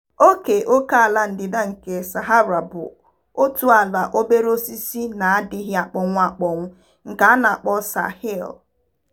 Ókè ókèala ndịda nke Sahara bụ otu ala obere osisi na-adịghị akpọnwụ akpọnwụ nke a na-akpọ Sahel.